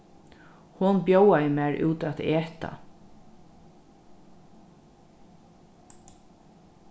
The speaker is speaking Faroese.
hon bjóðaði mær út at eta